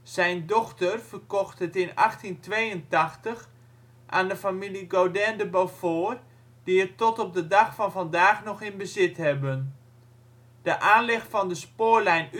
Zijn dochter verkocht het in 1882 aan de familie Godin de Beaufort, die het tot op de dag van vandaag nog in bezit hebben. De aanleg van de spoorlijn